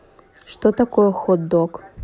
что такое хот дог